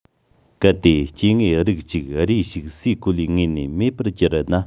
གལ ཏེ སྐྱེ དངོས རིགས གཅིག རེ ཞིག སའི གོ ལའི ངོས ལས མེད པར གྱུར ན